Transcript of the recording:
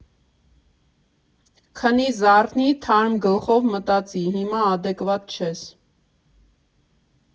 Քնի, զարթնի, թարմ գլխով մտածի, հիմա ադեկվատ չես։